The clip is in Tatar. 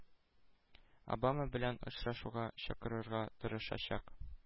Обама белән очрашуга чакырырга тырышачак